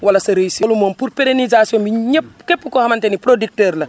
wala sa réussite moom pérénisation nit ñëpp képp koo xamante ni producteur la